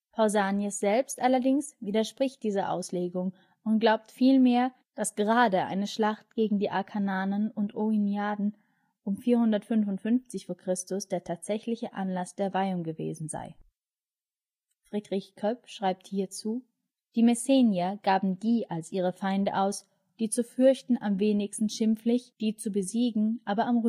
Pausanias selbst allerdings widerspricht dieser Auslegung und glaubt vielmehr, dass gerade eine Schlacht gegen die Akarnanen und Oiniaden um 455 v. Chr. der tatsächliche Anlass dieser Weihung gewesen sei. Friedrich Koepp schreibt hierzu, „ die Messenier geben die als ihre Feinde aus, die zu fürchten am wenigsten schimpflich, die zu besiegen aber